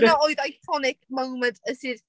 Achos dyna oedd iconic moment y series.